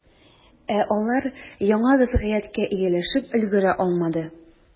Ә алар яңа вәзгыятькә ияләшеп өлгерә алмады.